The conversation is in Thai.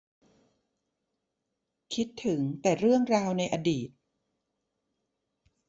คิดถึงแต่เรื่องราวในอดีต